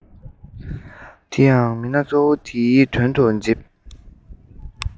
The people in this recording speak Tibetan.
དེ ཡང མི སྣ གཙོ བོ དེའི དོན དུ ལྕེབས